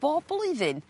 bob blwyddyn